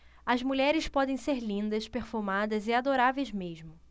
as mulheres podem ser lindas perfumadas e adoráveis mesmo